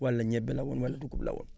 wala ñebe la woon wala dugub la woon